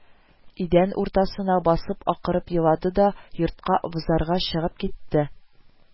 Идән уртасына басып акырып елады да, йортка-абзарга чыгып китте